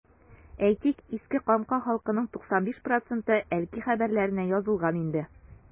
Әйтик, Иске Камка халкының 95 проценты “Әлки хәбәрләре”нә язылган инде.